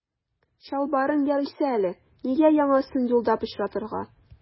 Чалбарың ярыйсы әле, нигә яңасын юлда пычратырга.